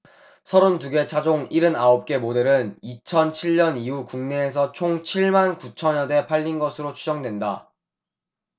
서른 두 개 차종 일흔 아홉 개 모델은 이천 칠 년 이후 국내에서 총 칠 만 구천 여대 팔린 것으로 추정된다